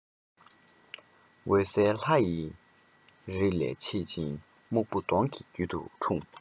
འོད གསལ ལྷ ཡི རིགས ལས མཆེད ཅིང སྨུག པོ གདོང གི རྒྱུད དུ འཁྲུངས